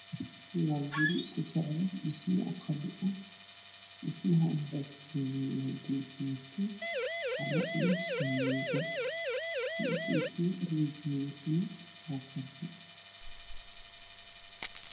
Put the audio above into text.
Waa guri ku socdo dhismo qabyo ah dhismaha wuxuu ka kooban yahay carro iyo shamiito